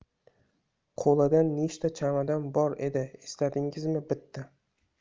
qo'lida nechta chamadon bor edi esladingizmi bitta